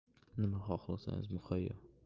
nima xohlasangiz muhayyo